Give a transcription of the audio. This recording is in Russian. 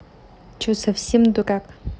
что совсем дурак